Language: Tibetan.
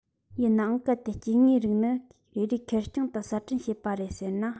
ཡིན ནའང གལ ཏེ སྐྱེ དངོས རིགས ནི རེ རེ ཁེར རྐྱང དུ གསར སྐྲུན བྱས པ རེད ཟེར ན